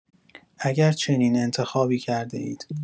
اگر چنین انتخابی کرده‌اید